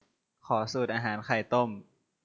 ขอสูตรอาหารไข่ต้ม